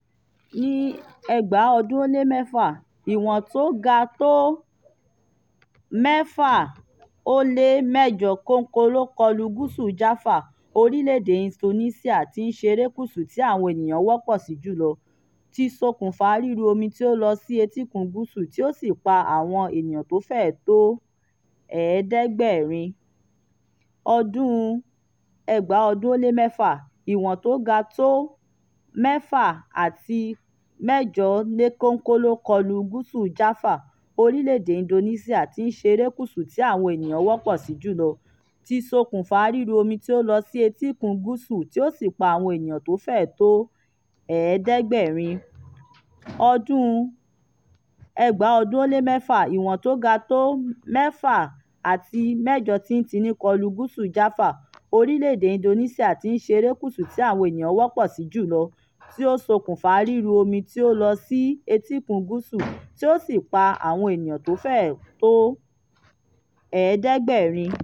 Ọdún 2006: Ìwọ̀n tó ga tó 6.8 kọlu gúsù Java, Orílẹ̀-èdè Indonesia tí ń ṣe erékùṣú tí àwọn ènìyàn wọ́pọ̀ sí jùlọ, ti ṣokùnfà rírú omi tí ó lọ sí etíkun gúsù, tí ó sì pa àwọn ènìyàn tó fẹ́ẹ tó 700.